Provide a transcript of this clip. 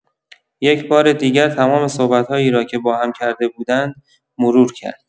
یک‌بار دیگر تمام صحبت‌هایی را که باهم کرده بودند، مرور کرد.